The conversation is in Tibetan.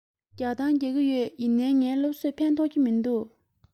རྒྱག དང རྒྱག གི ཡོད ཡིན ནའི ངའི སློབ གསོས ཕན ཐོགས ཀྱི མི འདུག